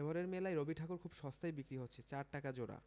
এবারের মেলায় রবিঠাকুর খুব সস্তায় বিক্রি হচ্ছে চার টাকা জোড়া